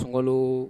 So